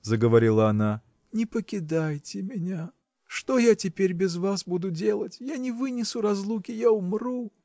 – заговорила она, – не покидайте меня что я теперь без вас буду делать? я не вынесу разлуки. Я умру!